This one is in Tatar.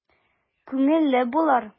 Күңеле булыр...